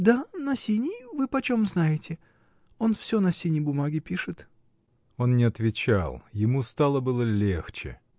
— Да, на синей: вы почем знаете? Он всё на синей бумаге пишет. Он не отвечал. Ему стало было легче.